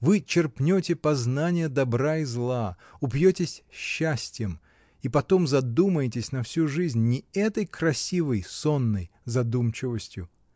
Вы черпнете познания добра и зла, упьетесь счастьем и потом задумаетесь на всю жизнь, — не этой красивой, но сонной задумчивостью.